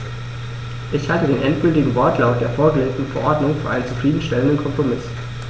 Ich halte den endgültigen Wortlaut der vorgelegten Verordnung für einen zufrieden stellenden Kompromiss.